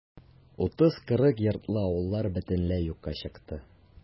30-40 йортлы авыллар бөтенләй юкка чыкты.